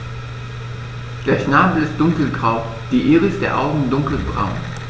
Der Schnabel ist dunkelgrau, die Iris der Augen dunkelbraun.